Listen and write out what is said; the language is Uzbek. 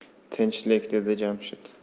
tinchlik dedi jamshid